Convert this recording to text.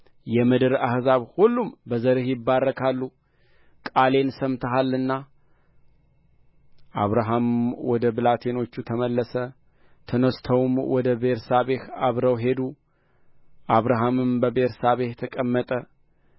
የምድር አሕዛብ ሁሉም በዘርህ ይባረካሉ ቃሌን ሰምተሃልና አብርሃምም ወደ ብላቴኖቹ ተመለሰ ተነሥተውም ወደ ቤርሳቤህ አብረው ሄዱ አብርሃምም በቤርሳቤህ ተቀመጠ